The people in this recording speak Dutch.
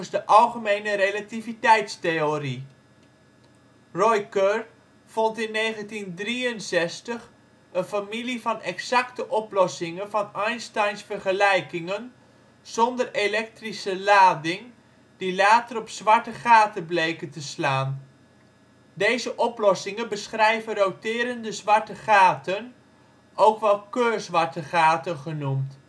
de algemene relativiteitstheorie. Roy Kerr vond in 1963 een familie van exacte oplossingen van Einsteins vergelijkingen zonder elektrische lading die later op zwarte gaten bleken te slaan. Deze oplossingen beschrijven roterende zwarte gaten, ook wel Kerr-zwarte gaten genoemd